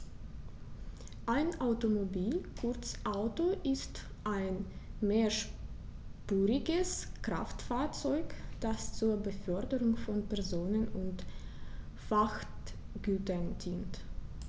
Ein Automobil, kurz Auto, ist ein mehrspuriges Kraftfahrzeug, das zur Beförderung von Personen und Frachtgütern dient.